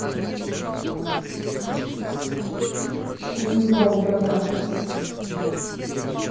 розенбаум братан